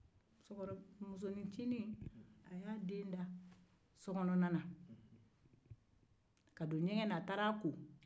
musonin ncinin y'a den da so kɔnɔ ka don jɛgɛn ka t' a ko